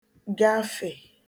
gafè